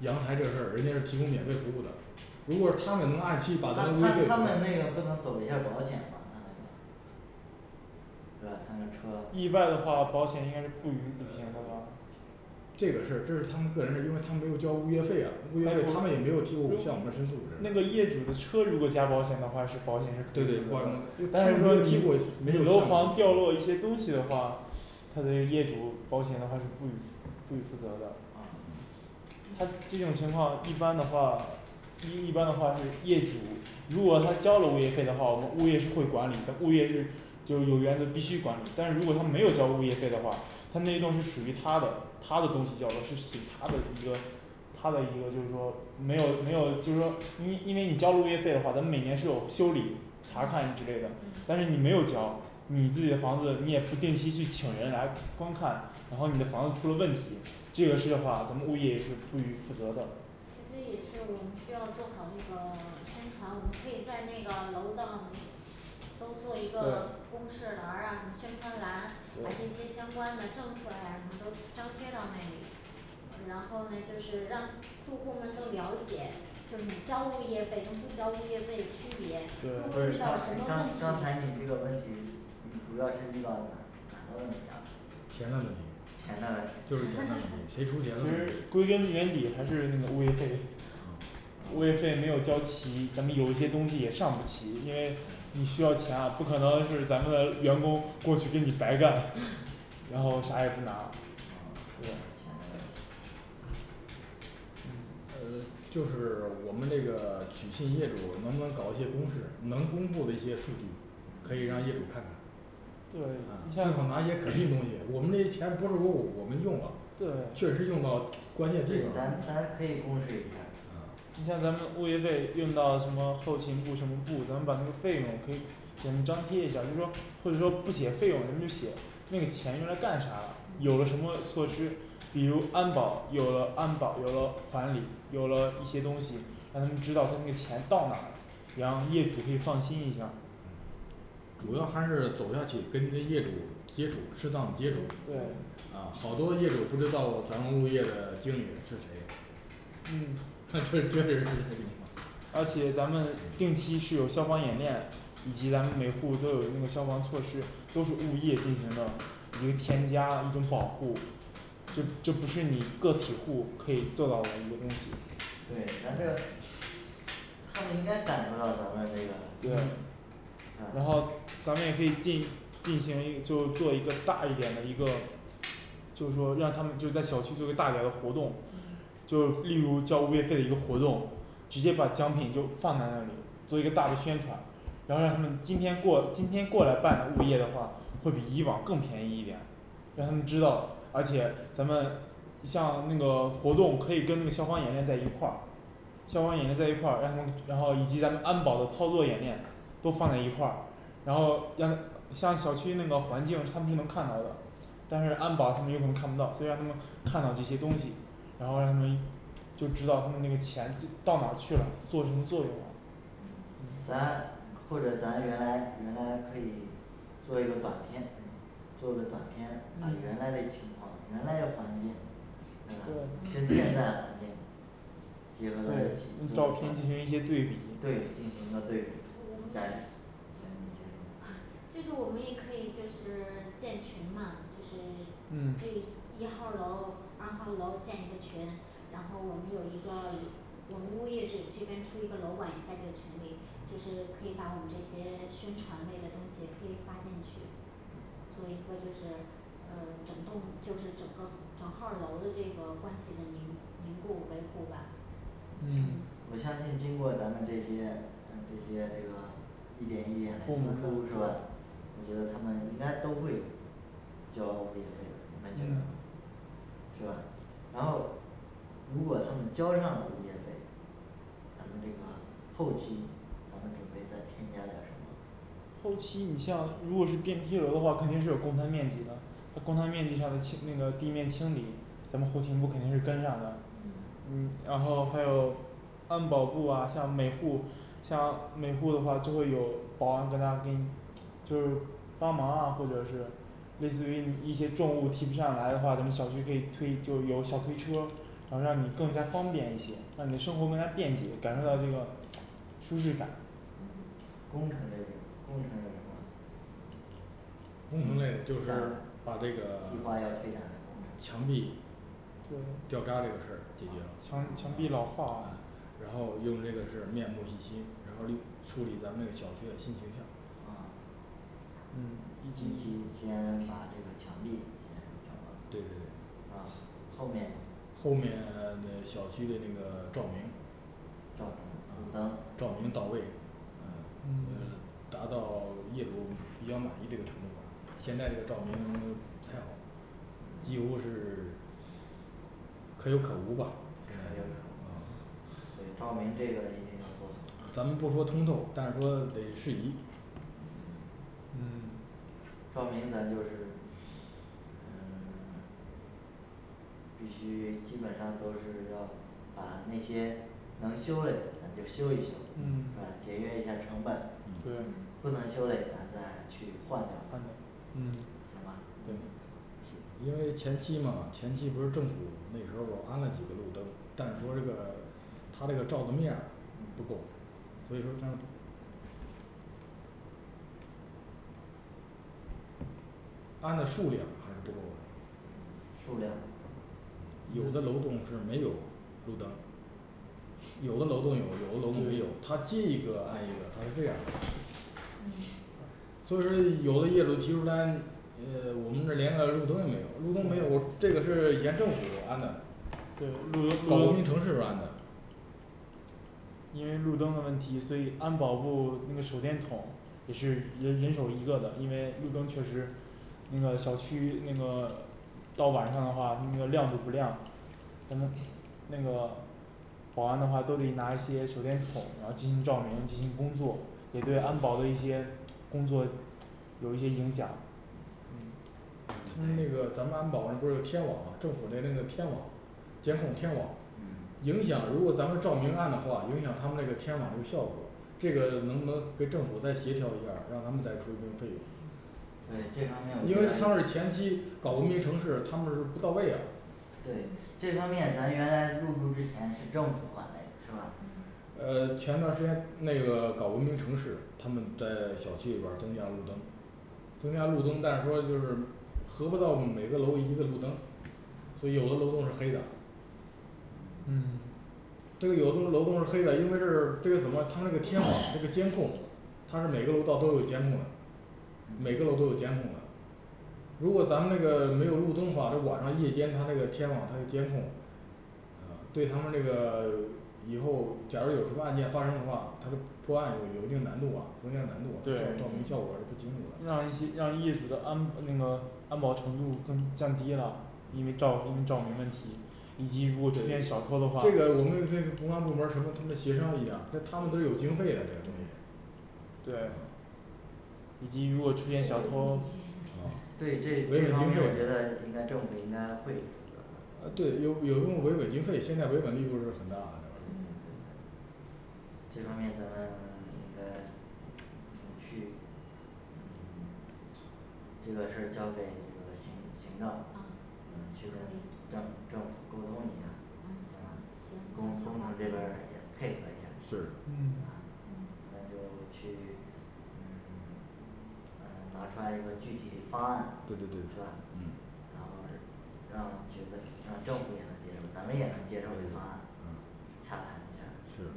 阳台这个事儿人家是提供免费服务的那如果他们能按那期把咱们物业费他们那个不能走一下保险吗他那个对吧他那车呃意外的话保险应该不予履行的吧这个事儿这是他们个人的因为他没有交物业费啊但物业费他们也没有提过向我们申诉那个业主的车如果加保险的话是对保险是对可以包的对但是说如果楼房掉落一些东西的话他对业主保险的话是不予不予负责的啊嗯他这嗯种情况一般的话第一一般的话是业主如果他交了物业费的话我们物业是会管理的但物业是就是有原则必须管理但是如果他没有交物业费的话他那一栋是属于他的他的东西掉落是属于他的一个他的一个就是说没有没有就是说你因为你交物业费的话咱们每年是有修理查看之类的但是你没有嗯对交你自己的房子你也不定期去请人来观看然后你的房子出了问题这个事的话咱们物业也是不予负责的其实也是我们需要做好这个 宣传我们可以在那个楼道里面都做一对个公示栏儿啊什么宣传栏把这些相对关的政策呀什么都张贴到那里然后呢就是让住户们都了解就你交物业费跟不交物业费的区别如果对遇对刚到什么刚刚才你这个问问题题你主要是遇到哪哪个问题啊钱的问题钱的就是钱问题的问题谁出钱的其实问归根源题底还是那个物业费哦哦嗯物业费没有交齐咱们有一些东西也上不齐因为你需要钱啊不可能是咱们的员工过去给你白干 然后嗯啥也不拿对哦还是钱的问题嗯嗯呃就是 我们那个 取信业主能不能搞一些公示能公布的一些数据可以让业主看看对最好拿一些可信东西我们这些钱不是说我们用了确实用到关键对地方儿咱对你像对咱可以公示一你下像咱们物儿业费用到什么后勤部什么部咱们把那个费用可以主要还是走下去跟这些业主接触适当接触对啊好多业主不知道咱们物业的经理是谁 确实是这情况而且咱们定期是有消防演练以及咱们每户儿都有一定的消防措施都是物业进行的一个添加一种保护这 这不是你个体户可以做到的一个东西对咱这个他们应该感受到咱们这个对然后啊咱们也可以进进行一 就做一个大一点的一个就是说让他们就在小区做个大点的活动嗯就例如交物业费一个活动直接把奖品就放在那里做一个大的宣传然后让他们今天过今天过来办物业的话会比以往更便宜一点让他们知道而且咱们你像那个活动可以跟那个消防演练在一块儿消防演练在一块儿但是我然后以及咱安保的操作演练都放在一块儿然后让像小区那个环境他们就能看着的但是安保他们有可能看不到所以让他们看到这些东西然后让他们一 就知道他们那个钱到哪儿去了做什么作用了嗯嗯咱或者咱原来原来可以做一个短片做个短片把原来的情况原来的环境对吧跟现在对 环境结合到一对起不照同对片进进行一行一些对比个对比再我行你先说吧们嗯嗯就是可以把我们这些宣传类的东西可以发进去做一个就是呃整栋就是整个整号儿楼的这个关系的凝凝固维护吧嗯我相信经过咱们这些嗯这些这个一点一点的是吧嗯咱们这个后期咱们准备再添加点儿什么后期你像如果是电梯楼的话肯定是有公摊面积的它公摊面积上的清 那个地面清理咱们后勤部肯定是跟上的嗯嗯然后还有安保部啊像每户像每户的话就会有保安在那给你就是帮忙啊或者是类似于你一些重物提不上来的话咱们小区可以推就是有小推车然后让你更加方便一些让你的生活更加便捷感受到这个舒适感嗯工程这种工程有什么工程类就是把这个 墙壁掉渣对这个事儿解墙 墙壁决老化了啊然后用这个是面目一新然后立树立咱们小区这个新形象啊嗯近期先 把这个墙壁先整对对对了啊哈 后面后面 的小区的那个 照明照照明路灯明到位嗯，达到业主比较满意这个程度吧现在这个照明不太好几乎是 可有可无吧现在就是嗯对照啊明这个一定咱们不说要做好通透但是说得适宜嗯照明咱就是嗯必须基本上都是要把那些能修嘞咱就修一修是吧嗯节约一下成本嗯不对能修嘞咱再去换掉行吧对是因为前期嘛前期不是政府那时候儿安了几个路灯但是说这个他这个照明面儿不够所以说他 安的数量还是不嗯数够的量嗯有的楼栋是没有路灯有的楼栋有，有的楼栋没有他揭一个安一个他是这样嗯儿对路路灯 因为路灯的问题所以安保部那个手电筒也是人 人手一个的因为路灯确实那个小区那个到晚上的话它那个亮度不亮咱们那个保安的话都得拿一些手电筒然后进行照明进行工作也对安保的一些工作有一些影响嗯他们那个咱们安保那不是有天网吗政府的那个天网监控天网嗯影响如果咱们照明暗的话影响他们那个天网这个效果这个能不能跟政府再协调一下儿让他们再出一定费用对这方面我觉因为得他们前期搞文明城市他们是不到位啊这方面我觉得对这方面咱原来入驻之前是政府管嘞是吧呃前段儿时间那个搞文明城市他们在小区里边儿增加路灯增加路灯但是说就是合不到每个楼一个路灯所以有的楼栋是黑的嗯嗯这个有的楼栋是黑的一个是这个怎么它那个天网这个监控它是每个楼道都有监控的每个楼都有监控嗯的如果咱们那个没有路灯的话它晚上夜间它那个天网他那监控呃对他们那个 以后假如有什么案件发生的话它是破案有 有一定难度啊增加难度照 照对明效果是不清楚的让一些 让业主的安 那个安保程度更降低了因为照因为照明问题以及如果出现小偷的话这个我们可以和 公安部门儿什么他们协商一下儿这他们都有经费这个东西啊对以及如果出现小嗯偷对这这方面我觉得应该政府应该会啊维稳经费啊负责的对有有一部分维稳经费现在维稳力度是很大的这边儿这方面咱们 应该嗯去嗯 这 啊可以行嗯嗯是嗯嗯拿出来一个具体嘞方案对是对对吧然后让觉得让政府也能接受咱们也能接受这个方案洽谈一下是是吧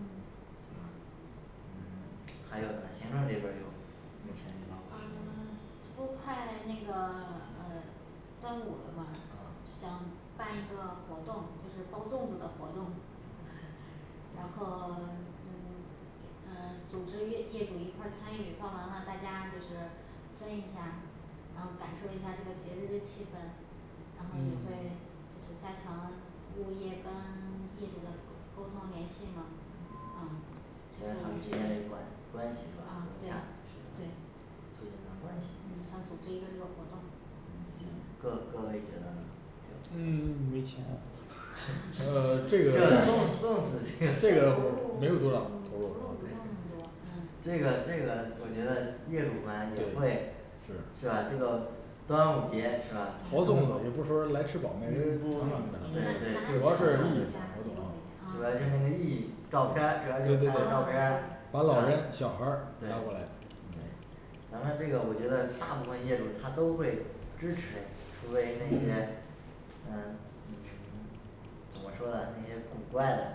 嗯 还有呗行政这边儿就目前遇到过什么啊给 啊组织业 业主一块儿参与包完了大家就是分一下然后感受一下这个节日的气氛然后也嗯会嗯就是加强物业跟 业主的沟 沟通联系嘛嗯关系是吧融洽啊是对的对促进一下关系嗯行各各位觉得呢嗯 没钱啊就 粽粽子这 对呃这个这个没有多少投入 投入不用那么投入对多嗯这个这个我觉得业主们也会是包粽是吧这个端午节是吧它子的 也不说我来吃饱每个人尝懂了尝就对对就尝沾尝了 尝就行了尝尝就主主要要这啊么个是意意义义照片儿主要就对对是对拍张照片儿对是吧把老人小孩儿拉过来对对咱们这个我觉得大部分业主他都会支持除非那些嗯嗯 怎么说呢那些古怪的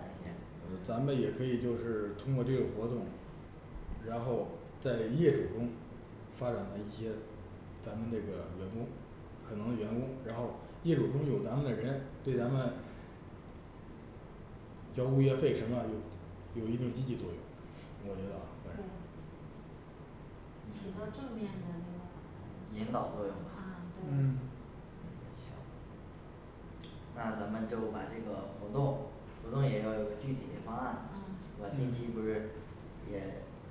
呃那些嗯咱们也可以就是通过这个活动然后在业主中发展了一些咱们那个员工可能员工然后业主中有咱们的人对咱们交物业费什么有 有一定积极作用我觉得啊对对对起到正面的那个 引导作用啊嗯对行 那咱们就把这个活动活动也要有具体嘞方案是嗯吧近期不嗯是也嗯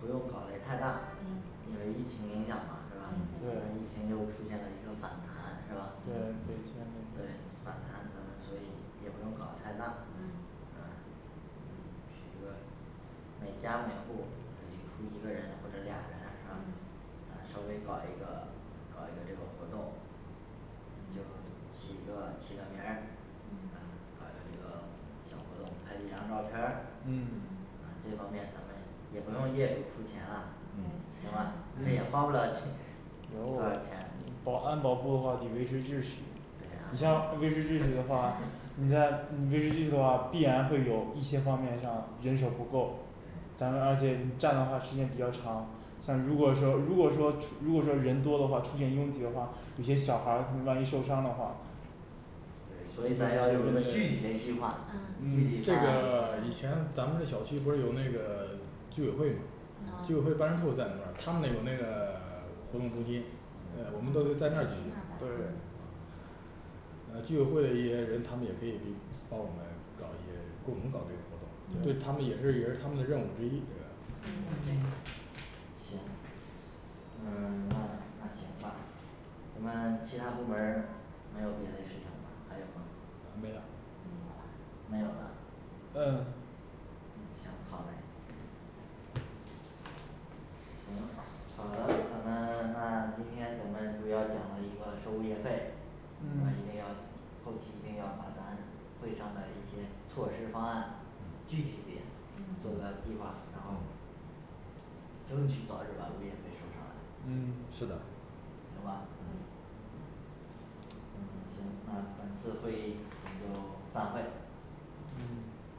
不用搞嘞太大嗯因为疫情影响嘛是吧对疫嗯对情又出现了一个反弹是吧对对北嗯京的那个 反弹咱们所以也不用搞太大是吧嗯只是说每家每户儿可以出一个人或者俩人是吧对咱稍微搞一个搞一个这个活动就嗯起个起个名儿啊嗯搞一个这个小活动拍几张照片儿嗯啊嗯这方面咱们也不用业主出钱啦嗯行吧嗯这对也花不嗯了几 多有我少钱嗯保安保部的话得维持秩序你对安像保不部维持秩序的话你在你维持秩序的话必然会有一些方面上人手不够咱们而对且站的话时间比较长像如果说如果说出 如果说人多的话出现拥挤的话有些小孩儿他们万一受伤的话对所以咱要有一个具体嘞计划具体计划的对对对啊嗯这个 以前咱们这小区不是有那个 居委会吗居啊委会办事处在那边儿他们那有那个 活动中心诶我们都可以在那那儿儿吧举行 对呃居委会的一些人他们也可以帮我们搞一些共同搞这个活动对他们嗯也是也是他们的任务之一嗯嗯这个行嗯 那那行吧我们其他部门儿没有别嘞事情了吧还有吗呃没啦没没有有了了嗯嗯行好嘞嗯嗯嗯争取早日把物业费收上来嗯是的嗯行可以吧嗯行那本次会议咱就散会嗯